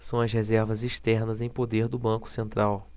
são as reservas externas em poder do banco central